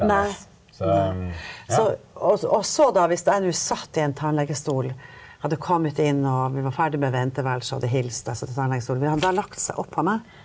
nei nei så og og så da hvis jeg nå satt i en tannlegestol, hadde kommet inn og vi var ferdig med venteværelset og hadde hilst og jeg satt i tannlegestolen, ville han da lagt seg oppå meg?